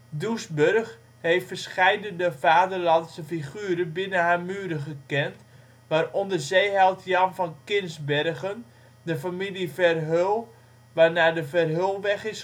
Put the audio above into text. Doesburg heeft verscheidene vaderlandse figuren binnen haar muren gekend waaronder zeeheld Jan van Kinsbergen, de familie Verhuell waarnaar de Verhuellweg is